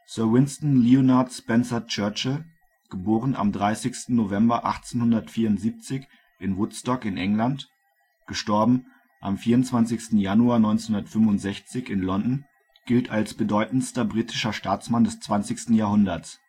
Sir Winston Leonard Spencer Churchill (* 30. November 1874 in Woodstock (England), † 24. Januar 1965 in London) gilt als bedeutendster britischer Staatsmann des 20. Jahrhunderts